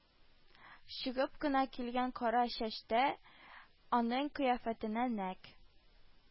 Чыгып кына килгән кара чәч тә аның кыяфәтенә нәкъ